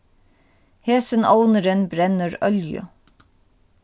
hesin ovnurin brennir olju